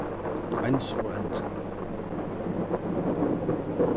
eins og eldri